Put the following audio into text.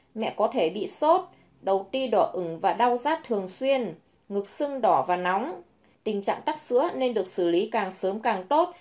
mẹ có thể bị sốt đầu ti bị đỏ ửng và đau rát thường xuyên ngực sưng đỏ và nóng tình trạng tắc tia sữa nên được xử lý càng sớm càng tốt